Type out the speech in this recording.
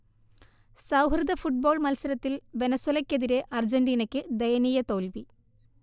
സൗഹൃദ ഫുട്ബോൾ മത്സരത്തിൽ വെനസ്വലക്കെതിരെ അർജന്റീനക്ക് ദയനീയ തോൽവി